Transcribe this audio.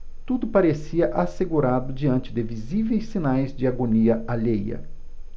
tudo parecia assegurado diante de visíveis sinais de agonia alheia